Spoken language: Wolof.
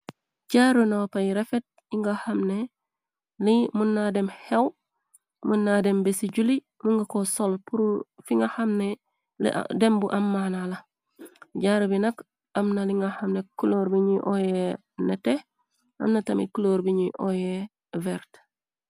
Jaaru nao pay rafet y nga xane i mun na dem xew. Munna dem be ci juli mu nga ko sol fi nga xamedem bu am maanala. Jaaru bi nak amna li nga xamne cloor bi ñuy oy nete. Amna tamit cloor bi ñuy oye vert.